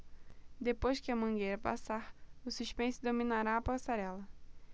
depois que a mangueira passar o suspense dominará a passarela